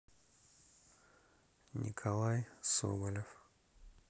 николай соболев